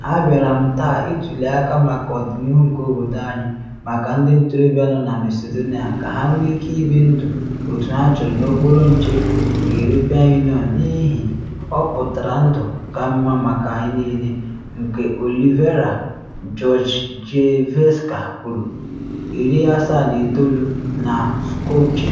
“Abịara m taa ituli aka maka ọdịnihu nke obodo anyị, maka ndị ntorobịa nọ na Macedonia ka ha nwee ike ibi ndụ otu ha chọrọ n’okpuru nche nke European Union n’ihi ọ pụtara ndụ ka mma maka anyị niile,” nke Olivera Georgijevska kwuru, 79, na Skopje.